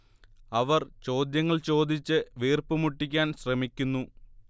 അവർ ചോദ്യങ്ങൾ ചോദിച്ച് വീര്പ്പ് മുട്ടിക്കാൻ ശ്രമിക്കുന്നു